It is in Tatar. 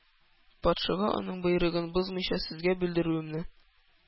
Патшага аның боерыгын бозмыйча сезгә белдерүемне